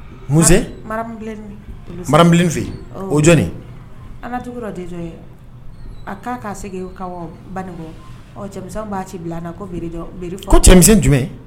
Zɔnbilen fɛ yen o an a'a'a segin ka banin cɛmisɛn b'a ci bila ko bere ko cɛ jumɛn